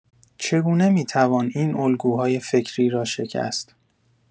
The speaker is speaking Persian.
چگونه می‌توان این الگوهای فکری را شکست؟